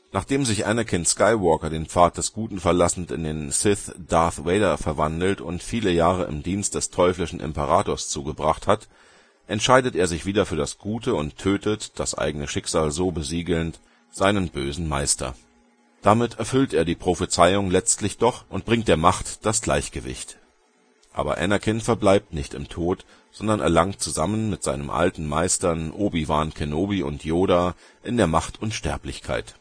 Nachdem sich Anakin Skywalker den Pfad des Guten verlassend in den Sith Darth Vader verwandelt und viele Jahre im Dienst des teuflischen Imperators zugebracht hat, entscheidet er sich wieder für das Gute und tötet das eigene Schicksal so besiegelnd seinen bösen Meister. Damit erfüllt er die Prophezeiung letztlich doch und bringt der Macht das Gleichgewicht. Aber Anakin verbleibt nicht im Tod, sondern erlangt zusammen mit seinen alten Meistern Obi Wan Kenobi und Yoda in der Macht Unsterblichkeit